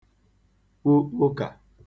kwu ụkà